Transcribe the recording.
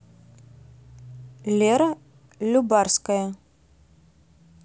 лера любарская